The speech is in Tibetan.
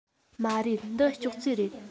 མ རེད འདི ཅོག ཙེ རེད